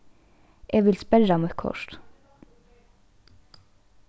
eg vil sperra mítt kort